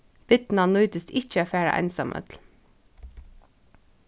birna nýttist ikki at fara einsamøll